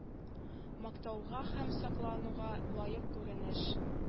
Мактауга һәм соклануга лаек күренеш